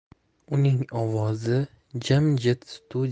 uning ovozi jim jit